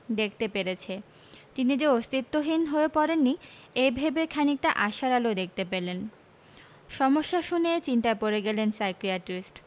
দেখতে পেরেছে তিনি যে অস্তিত্বহীন হয়ে পড়েননি এই ভেবে খানিকটা আশার আলো দেখতে পেলেন সমস্যা শুনে চিন্তায় পড়ে গেলেন সাইকিয়াট্রিস্ট